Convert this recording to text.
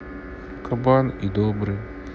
кабан и добрый